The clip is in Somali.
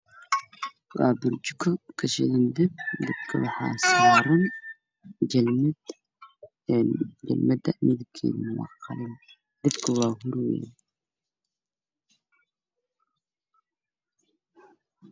Waa burjiko kashidan dab waxaa saaran jalmad midabkeedu waa qalin, dabka waa huraa.